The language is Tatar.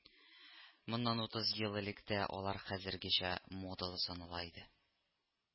Моннан утыз ел элек тә алар хәзергечә модалы санала иде